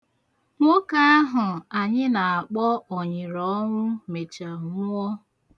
Nwoke ahụ anyị na-akpọ ọ̀nyị̀rọ̀ọnwụ mechaa nwụọ.